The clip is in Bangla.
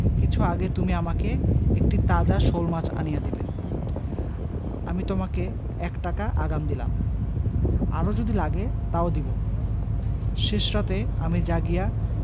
কিছু আগে তুমি আমাকে একটি তাজা শোলমাছ আনিয়া দিবে আমি তোমাকে এক টাকা আগাম দিলাম আরও যদি লাগে তাও দিব শেষ রাতে আমি জাগিয়া